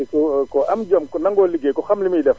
di ku % ku am jom ku nangoo liggéey ku xam li muy def